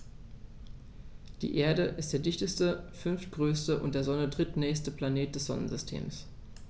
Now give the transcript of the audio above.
Die Erde ist der dichteste, fünftgrößte und der Sonne drittnächste Planet des Sonnensystems.